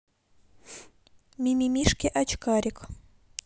мимимишки очкарик